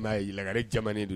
Ye lagare camanmani don